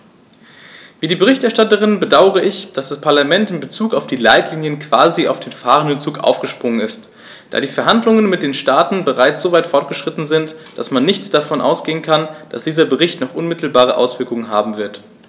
Wie die Berichterstatterin bedaure ich, dass das Parlament in bezug auf die Leitlinien quasi auf den fahrenden Zug aufgesprungen ist, da die Verhandlungen mit den Staaten bereits so weit fortgeschritten sind, dass man nicht davon ausgehen kann, dass dieser Bericht noch unmittelbare Auswirkungen haben wird.